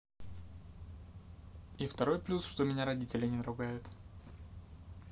и второй плюс что меня родители не наругают